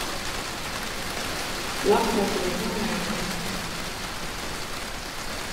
ล็อกประตูห้องน้ำ